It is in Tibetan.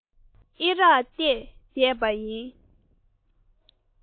ཨེ རག བལྟས བསྡད པ ཡིན